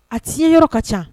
A t'i ye yɔrɔ ka ca